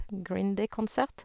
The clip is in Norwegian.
Green Day-konsert.